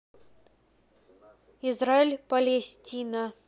израиль палестина